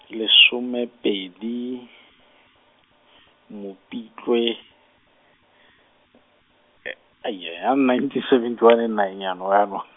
lesome pedi, Mopitlwe, aija jaanong ninety seven one e nna eng jaanong?